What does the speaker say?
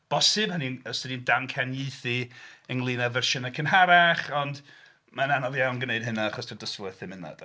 Bosib hynny, os dan ni'n damcaniaethu ynglŷn â fersiynau cynharach ond mae'n anodd iawn gwneud hynna achos dydy'r dystiolaeth ddim yna 'de.